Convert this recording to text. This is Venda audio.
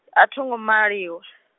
a tho ngo maliwa .